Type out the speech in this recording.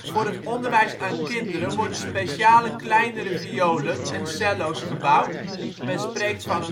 Voor het onderwijs aan kinderen worden speciale kleinere violen (en cello 's) gebouwd. Men spreekt van